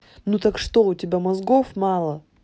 ну а так что у тебя мозгов мало